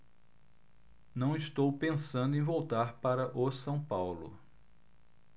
não estou pensando em voltar para o são paulo